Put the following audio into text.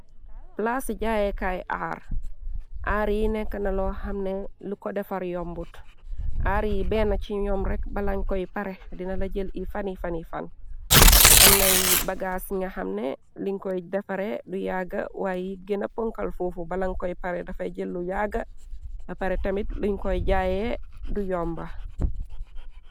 Plaas jaayekaay aar aar yi nekk na loo xamne lu ko defar yombut aar yi benn ci ñoom rekk balan koy pare dina la jël yi fani-fani fan amnay bagaas nga xamne luñ koy defare du yagga waaye gëna ponkal fuufu balan koy pare dafay jël lu yagga a pare tamit luñ koy jaaye du yomba.